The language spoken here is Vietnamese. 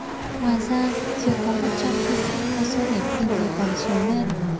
ngoài ra trường có một trăm thí sinh có số điểm từ mười bảy trở lên